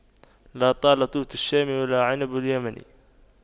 لا طال توت الشام ولا عنب اليمن